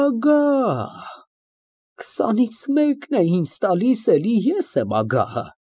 Ագահ, քսանից մեկն է ինձ տալիս, էլի ես եմ ագահը։